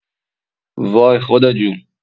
وای خدا جون!